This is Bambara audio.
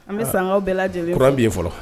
An bɛ sankaw bɛɛ lajɛlen yɔrɔ bi fɔlɔ